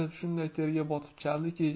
shunday terga botib chaldiki